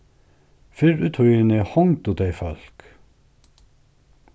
fyrr í tíðini hongdu tey fólk